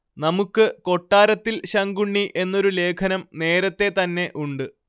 നമുക്ക് കൊട്ടാരത്തിൽ ശങ്കുണ്ണി എന്നൊരു ലേഖനം നേരത്തേ തന്നെ ഉണ്ട്